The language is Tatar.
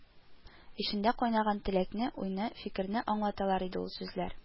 Эчендә кайнаган теләкне, уйны, фикерне аңлаталар иде ул сүзләр